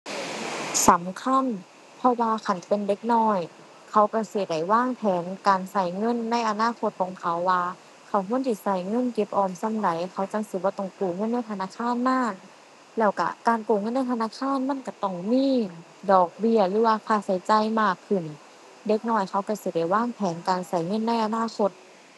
สำคัญ เพราะว่าคันเป็นเด็กน้อยเขาก็สิได้วางแผนการเงินในอนาคตของเขา ว่าเขาควรสิก็เงินเก็บออมส่ำใดเขาจั่งสิบ่ต้องกู้เงินในธนาคารมา แล้วก็การกู้เงินในธนาคารมันก็ต้องมีดอกเบี้ย หรือว่าค่าก็จ่ายมากขึ้น เด็กน้อยเขาก็สิได้วางแผนการก็เงินในอนาคต